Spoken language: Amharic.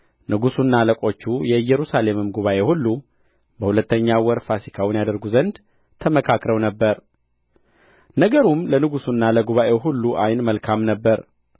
ንጉሡና አለቆቹ የኢየሩሳሌምም ጉባኤ ሁሉ በሁለተኛው ወር ፋሲካውን ያደርጉ ዘንድ ተመካክረው ነበር ነገሩም ለንጉሡና ለጉባኤው ሁሉ ዓይን መልካም ነበረ